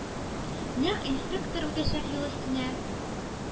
Нәкъ инспектор үтәчәк юл өстенә